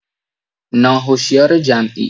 ناهشیار جمعی